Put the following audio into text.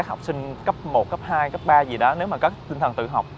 học sinh cấp một cấp hai cấp ba gì đó nếu mà có tinh thần tự học